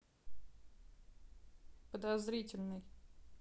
подозрительный